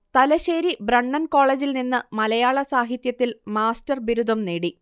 Thalassery Brennen കോളേജിൽ നിന്ന് മലയാള സാഹിത്യത്തിൽ മാസ്റ്റർ ബിരുദം നേടി